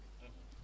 dëgg la